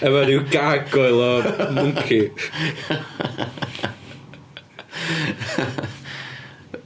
Efo ryw gargoyle o mwnci .